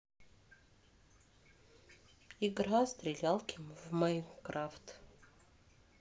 игра стрелялки в майнкрафт